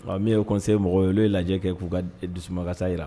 Ɔ min o kɔnse mɔgɔ ye n' ye lajɛ kɛ k'u ka dusumakasa jira